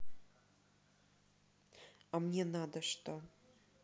а мне надо что